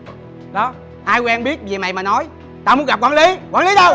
đó ai quen biết gì mày mà nói tao muốn gặp quản lý quản lý đâu